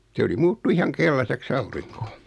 se oli muuttui ihan keltaiseksi aurinko